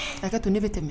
A' ka to ne bɛ tɛmɛ